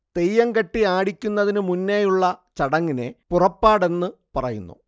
തെയ്യം കെട്ടിയാടിക്കുന്നതിനുമുന്നേയുള്ള ചടങ്ങിനെ പുറപ്പാടെന്ന് പറയുന്നു